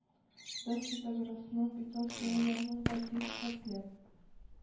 Да, «светогрэс»ның бетон стеналарын да дикъкатьләп